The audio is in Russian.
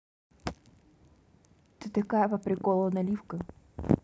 ты такая по приколу наливка